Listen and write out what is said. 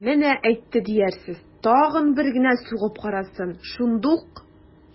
Менә әйтте диярсез, тагын бер генә сугып карасын, шундук...